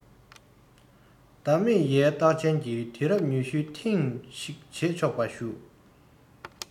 བདག མེལ ཡའི རྟགས ཅན གྱི དུས རབས ཉི ཤུའི ཐེངས ཤིག བྱེད ཆོག པར ཞུ